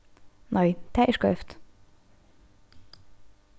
nei tað er skeivt